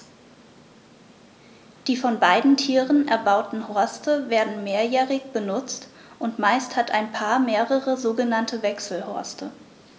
Die von beiden Tieren erbauten Horste werden mehrjährig benutzt, und meist hat ein Paar mehrere sogenannte Wechselhorste.